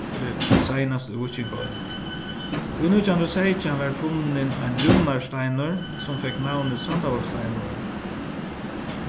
seinast í víkingaøld í nítjan hundrað og seytjan varð funnin ein rúnasteinur sum fekk navnið sandavágssteinurin